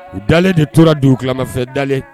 U dalen de tora dugu kalamafɛn dalenle